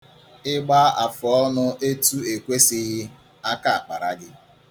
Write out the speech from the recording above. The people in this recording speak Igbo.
Ị gbaa àfùọnụ̄ etu ekwesịghị, aka akpara gị.